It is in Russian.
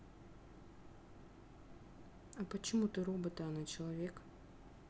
а почему ты робот а она человек